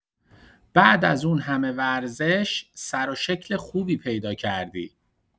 بعد از اون همه ورزش، سروشکل خوبی پیدا کردی!